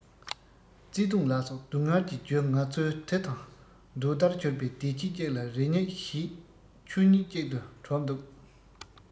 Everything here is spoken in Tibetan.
བརྩེ དུང ལ སོགས སྡུག བསྔལ གྱི རྒྱུ ང ཚོས དེ དང ཟློས ཟླར གྱུར བའི བདེ སྐྱིད ཅིག ལ རེ སྙེག བྱེད ཆོས ཉིད ཅིག ཏུ གྲུབ འདུག